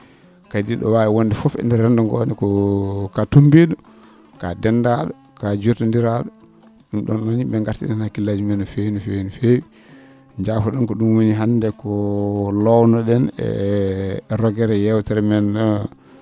kadi ?o waawi wonde fof e ndeer renndo ngo henna ko ka tumbi?o ka denda?o ka jotodira?o ?um ?on yo yim?e gartir heen hakkillaji mumen no feewi no feewi no feewi jaafo?on ko woni hannde ko lowno ?en e roguere yewtere men